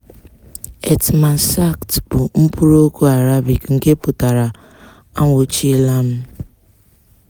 Etmasakt bụ mkpụrụokwu Arabic nke pụtara "A nwụchiela m".